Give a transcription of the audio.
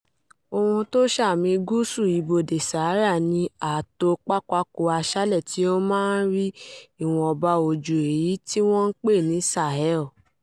Ohun tí ó ṣàmì gúúsù ibodè Sahara ni ààtò pápáko aṣálẹ̀ tí ó máa ń rí ìwọ̀nba òjò èyí tí wọ́n ń pè ní Sahel.